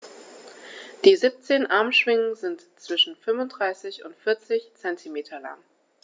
Die 17 Armschwingen sind zwischen 35 und 40 cm lang.